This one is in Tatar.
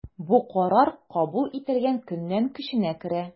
Бу карар кабул ителгән көннән көченә керә.